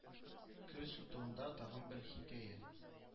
Көлсу турында тагын бер хикәя